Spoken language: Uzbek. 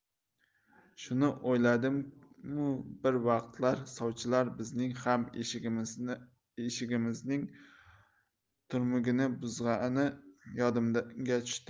shuni o'yladimu bir vaqtlar sovchilar bizning ham eshigimizning turmugini buzgani yodimga tushdi